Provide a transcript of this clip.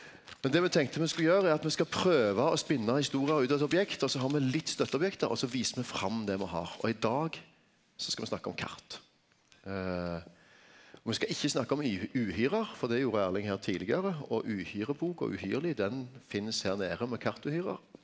men det me tenkte me skulle gjere er at me skal prøva å spinna historier ut av eit objekt og så har me litt støtteobjekt også viser me fram det me har, og i dag så skal me snakke om kart og me skal ikkje snakke om uhyre for det gjorde Erling her tidlegare og uhyrebok og Uhyrlig den finst her nede med kartuhyre.